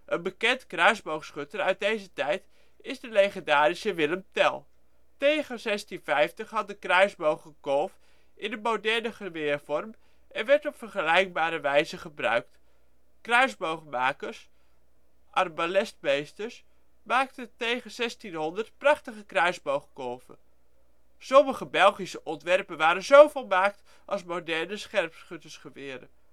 bekend kruisboogschutter uit deze tijd is (de legendarische) Willem Tell. Tegen 1650 had de kruisboog een kolf in de moderne geweervorm, en werd op vergelijkbare wijze gebruikt. Kruisboogmakers (arbalestmeesters) maakten tegen 1600 prachtige kruisboogkolven. Sommige Belgische ontwerpen waren zo volmaakt als moderne scherpschuttersgeweren